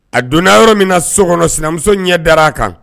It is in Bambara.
A donna yɔrɔ min na sokɔnɔ sinamuso ɲɛ dara a kan